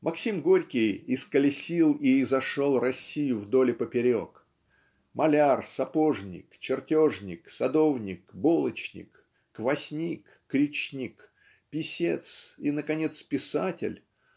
Максим Горький исколесил и изошел Россию вдоль и поперек. Маляр сапожник чертежник садовник булочник квасник крючник писец и наконец писатель